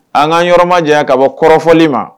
An k'an yɔrɔ majanya ka bɔ kɔrɔfɔli ma.